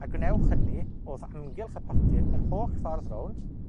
a gwnewch hynny w'th amgylch y potyn, yr holl ffordd rownd.